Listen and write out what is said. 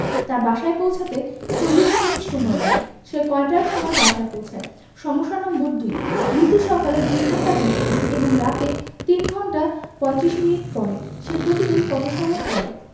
তার বাসায় পৌছাতে ৪০ মিনিট সময়লাগে সে কয়টার সময় বাসায় পৌছায় সমস্যা নম্বর ২ রিতু সকালে ২ ঘন্টা ২০ মিনিট এবং রাতে ৩ ঘণ্টা ৩৫ মিনিট পড়ে সে প্রতিদিন কত সময় পড়ে